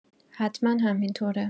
حتما همینطوره.